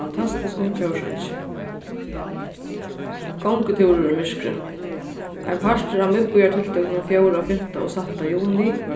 fantastiskum kórsangi gongutúrur í myrkri ein partur av miðbýartiltøkunum fjórða fimta og sætta juni var